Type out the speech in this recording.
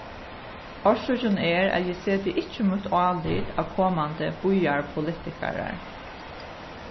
orsøkin er at eg seti ikki mítt álit á komandi býarpolitikarar